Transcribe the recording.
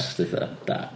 Wythnos dwytha, da.